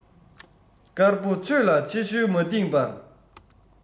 དཀར པོ ཆོས ལ ཕྱི བཤོལ མ འདིངས པར